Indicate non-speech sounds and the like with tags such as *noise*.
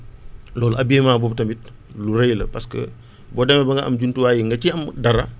loolu habillement boobu tamit lu rëy la parce que *breath* boo demee ba nga am jumtuwaay yi nga ciy am dara